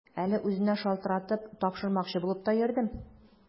Әле үзенә шалтыратып, тапшырмакчы булып та йөрдем.